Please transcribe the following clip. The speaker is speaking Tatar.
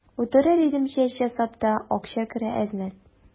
Утырыр идем, чәч ясап та акча керә әз-мәз.